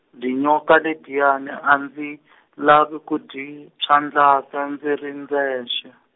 dyinyoka ledyiya ni a ndzi, lava ku dyi, phyandlasa ndzi ri ndzexe.